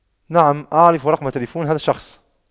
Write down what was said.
نعم اعرف رقم تلفون هذا الشخص